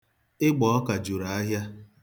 Ịgbọọka juru ahịa.